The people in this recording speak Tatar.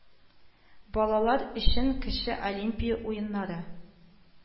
Балалар өчен кече олимпия уеннары